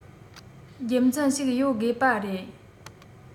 རྒྱུ མཚན ཞིག ཡོད དགོས པ རེད